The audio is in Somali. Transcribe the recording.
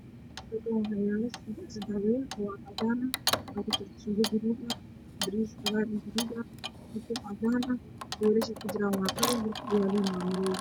Halkaan waxaa yaalo seddex weel oo cadaan ah waxaa kujiro suugo gaduudan, bariis cagaar iyo gaduud ah, ukun cadaan ah, weelasha ay kujiraan waa qalin, meesha uu yaalana waa madow.